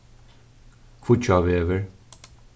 kvíggjávegur